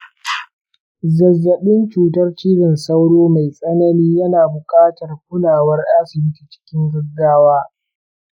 zazzaɓin cutar cizon sauro mai tsanani yana buƙatar kulawar asibiti cikin gaggawa.